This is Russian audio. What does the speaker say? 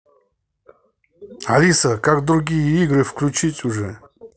алиса как другие игры включить уже